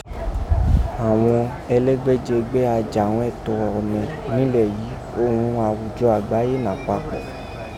Awọn ẹlẹgbẹjẹgbẹ ajaghẹntọ ọnẹ nilẹ yii òghun awujọ agbaye nàpapọ